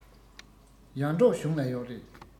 ཡར འབྲོག གཞུང ལ ཡོག རེད